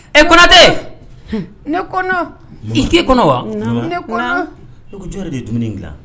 Ɛ konate! Hɛn; Ne kɔnɔ; Maman, Ii k'e kɔnɔ wa? Maman; Naamu; Ne ko jon yɛrɛ de ye dumuni in dilan?